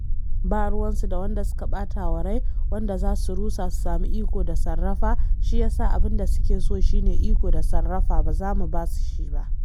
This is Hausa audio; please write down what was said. Ba ruwansu da wanda suka ɓata wa rai, wanda za su rusa su sami iko da sarrafa, shi ya sa abin da suke so shi ne iko da sarrafa, ba za mu ba su shi ba.”